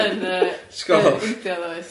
yn yy yy India does?